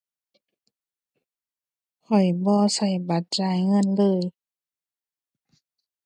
ข้อยบ่ใช้บัตรจ่ายเงินเลย